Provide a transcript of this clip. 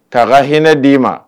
K'a ka hinɛ d'i ma